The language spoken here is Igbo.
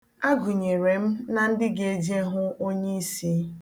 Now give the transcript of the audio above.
Agụnyere m na ndị ga-eje hụ onyiisi.